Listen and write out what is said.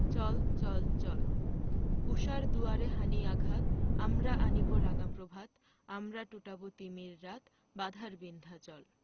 চল চল চল ঊষার দুয়ারে হানি আঘাত আমরা আনিব রাঙা প্রভাত আমরা টুটাব তিমির রাত বাধার বিন্ধ্যাচল